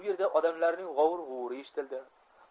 u yerda odamlarning g'ovur g'uvuri eshitildi